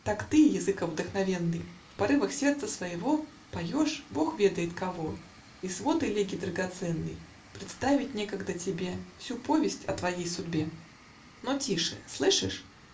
Так ты, Языков вдохновенный, В порывах сердца своего, Поешь бог ведает кого, И свод элегий драгоценный Представит некогда тебе Всю повесть о твоей судьбе. Но тише! Слышишь?